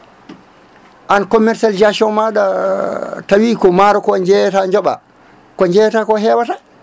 an commercialisation maɗa tawi ko maaro ko jeeyata jooɓo ko jeeytata ko hewata